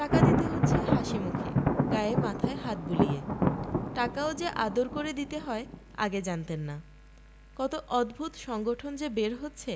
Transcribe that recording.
টাকা দিতে হচ্ছে হাসিমুখে গায়ে মাথায় হাত বুলিয়ে টাকাও যে আদর করে দিতে হয় আগে জানতেন না কত অদ্ভুত সংগঠন যে বের হচ্ছে